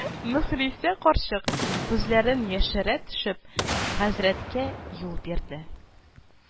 Мөхлисә карчык, күзләрен яшерә төшеп, хәзрәткә юл бирде